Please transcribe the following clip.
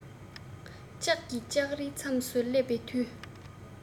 ལྕགས ཀྱི ལྕགས རིའི མཚམས སུ སླེབས པའི དུས